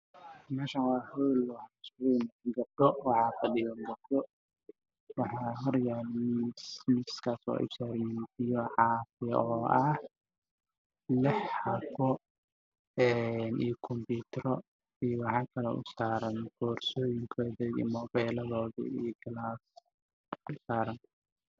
Waa hool waxaa iskugu imaaday gabdho farabadan waxa uu ku fadhiyaa kuraas cadaan